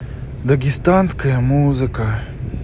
дагестанская музыка